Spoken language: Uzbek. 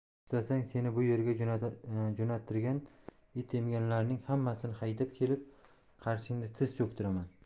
istasang seni bu yerga jo'nattirgan it emganlarning hammasini haydab kelib qarshingda tiz cho'ktiraman